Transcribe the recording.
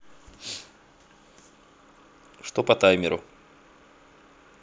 что по таймеру